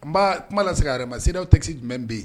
N kuma la se yɛrɛ ma sew tɛ se jumɛn bɛ yen